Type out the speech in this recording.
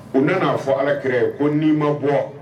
U nan'a fɔ Alakira ye ko n'i ma bɔ